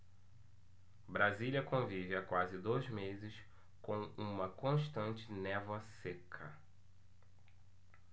brasília convive há quase dois meses com uma constante névoa seca